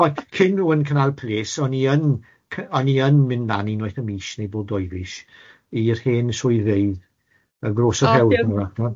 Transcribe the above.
Wel cyn one cynnal place o'n i yn cy- o'n i yn mynd lan unwaith y mis neu bob dou fis i'r hen swyddfeydd ar bwys y rhewl fan 'na.